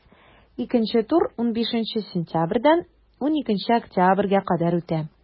Икенче тур 15 сентябрьдән 12 октябрьгә кадәр үтә.